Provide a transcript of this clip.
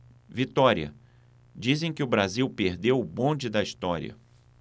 vitória dizem que o brasil perdeu o bonde da história